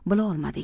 bila olmadik